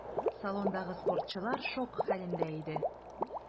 Салондагы спортчылар шок хәлендә иде.